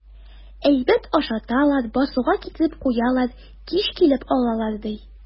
Әйбәт ашаталар, басуга китереп куялар, кич килеп алалар, ди.